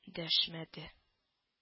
Дәшмәде